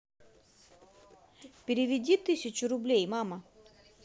переведи тысячу рублей мама